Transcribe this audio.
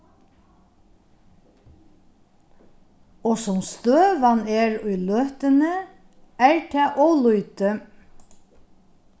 og sum støðan er í løtuni er tað ov lítið